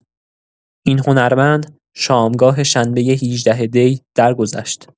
این هنرمند شامگاه شنبه ۱۸ دی درگذشت.